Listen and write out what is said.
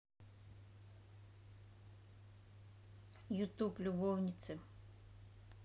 ютуб любовницы